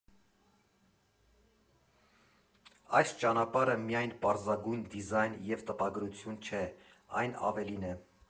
Այս ճանապարհը միայն պարզագույն դիզայն և տպագրություն չէ, այն ավելին է։